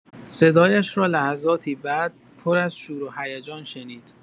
صدایش را لحظاتی بعد، پراز شور و هیجان شنید.